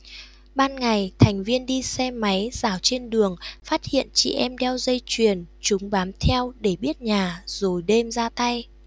ban ngày thành viên đi xe máy rảo trên đường phát hiện chị em đeo dây chuyền chúng bám theo để biết nhà rồi đêm ra tay